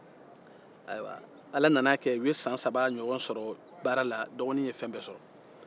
ala nana a kɛ u ye san saba ɲɔgɔn sɔrɔ baara la dɔgɔnin ye fɛn bɛɛ sɔrɔ